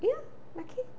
Ia? Naci?